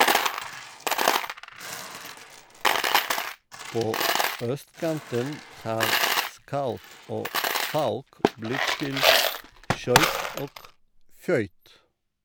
På østkanten har "skaut" og "fauk" blitt til "skøyt" og "føyk".